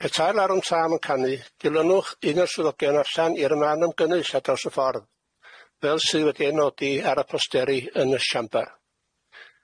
Petai'r larwm tân yn canu, dilynwch un o'r swyddogion allan i'r man ymgynyll ar draws y ffordd, fel sydd wedi ei nodi ar y posteri yn y siambyr.